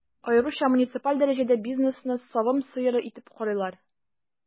Аеруча муниципаль дәрәҗәдә бизнесны савым сыеры итеп карыйлар.